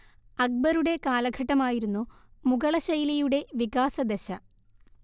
അക്ബറുടെ കാലഘട്ടമായിരുന്നു മുഗളശൈലിയുടെ വികാസദശ